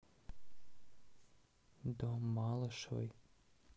дом малышевой